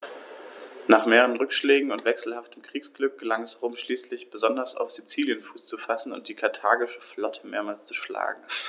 Nach mehreren Rückschlägen und wechselhaftem Kriegsglück gelang es Rom schließlich, besonders auf Sizilien Fuß zu fassen und die karthagische Flotte mehrmals zu schlagen.